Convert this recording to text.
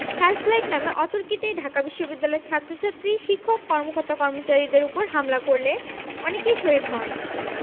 searchlight নামে অতর্কিতে ঢাকা বিশ্ববিদ্যালয়ের ছাত্রছাত্রী শিক্ষক কর্মকর্তা কর্মচারীদের উপর হামলা করলে অনেকে শহীদ হন